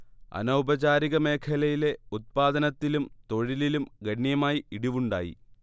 അനൗപചാരിക മേഖലയിലെ ഉത്പാദനത്തിലും തൊഴിലിലും ഗണ്യമായി ഇടിവുണ്ടായി